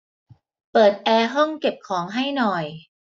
เปิดแอร์ห้องเก็บของให้หน่อย